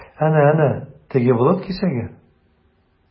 Әнә-әнә, теге болыт кисәге?